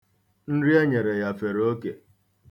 Nri e nyere fere oke.